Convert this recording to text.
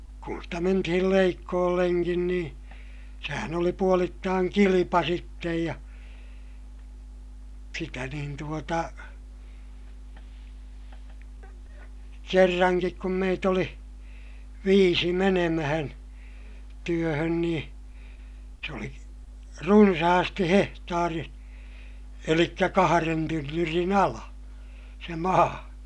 kun sitä mentiin leikkuullekin niin sehän oli puolittain kilpa sitten ja sitä niin tuota kerrankin kun meitä oli viisi menemään työhön niin se oli runsaasti hehtaari eli kahden tynnyrin ala se maa